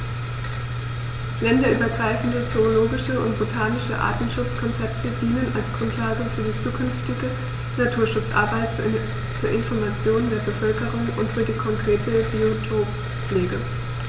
Länderübergreifende zoologische und botanische Artenschutzkonzepte dienen als Grundlage für die zukünftige Naturschutzarbeit, zur Information der Bevölkerung und für die konkrete Biotoppflege.